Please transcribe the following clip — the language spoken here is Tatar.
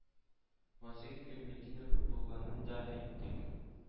Вазыйх Гыйльметдинов булганын да әйтик.